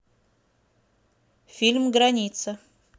фильм граница